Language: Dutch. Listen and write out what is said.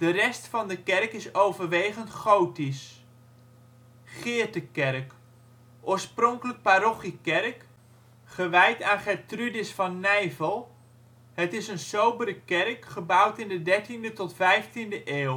rest van de kerk is overwegend gotisch. Geertekerk, oorspronkelijk parochiekerk, gewijd aan Gertrudis van Nijvel. Het is een sobere kerk, gebouwd in de dertiende tot vijftiende eeuw